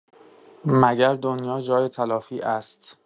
مگر دنیا جای تلافی است؟